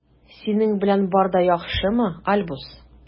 Синең белән бар да яхшымы, Альбус?